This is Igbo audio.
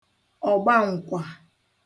ọgbaǹkwà